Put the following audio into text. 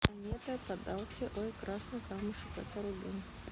планета подалси ой красный камушек это рубин